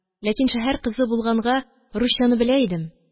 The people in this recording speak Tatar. Ләкин шәһәр кызы булганга, русчаны белә идем.